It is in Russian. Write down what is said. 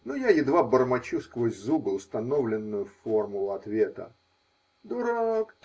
Но я едва бормочу сквозь зубы установленную формулу ответа: "Дурак?